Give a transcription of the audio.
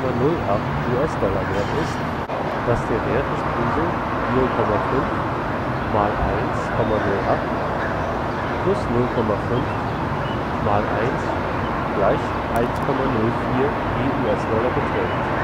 Euro 1,08 US-Dollar wert ist, dass der Wert des Peso 0,5 * 1,08+0,5 * 1 = 1,04 je US-Dollar beträgt